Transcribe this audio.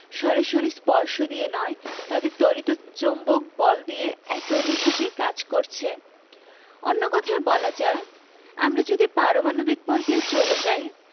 সরাসরি স্পর্শ দিয়ে নয় তাদের তড়িৎ চৌম্বক বল দিয়ে একে অন্যের সাথে কাজ করছে অন্য কথায় বলা যায় আমরা যদি পারমাণবিক পর্যায়ে চলে যাই